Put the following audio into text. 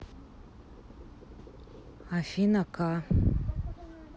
афина к